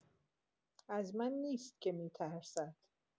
از من نیست که می‌ترسد.